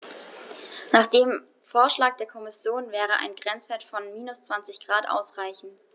Nach dem Vorschlag der Kommission wäre ein Grenzwert von -20 ºC ausreichend.